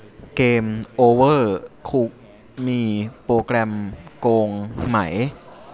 เกมโอเวอร์คุกมีโปรแกรมโกงไหม